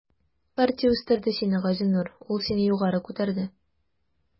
Партия үстерде сине, Газинур, ул сине югары күтәрде.